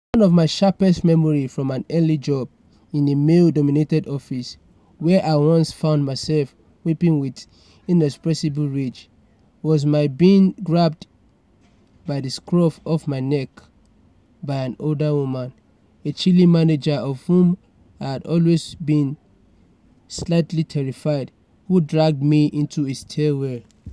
One of my sharpest memories from an early job, in a male-dominated office, where I once found myself weeping with inexpressible rage, was my being grabbed by the scruff of my neck by an older woman - a chilly manager of whom I'd always been slightly terrified - who dragged me into a stairwell.